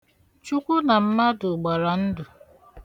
Chukwu na mmadụ gbara ndụ.